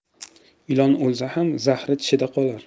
ilon o'lsa ham zahri tishida qolar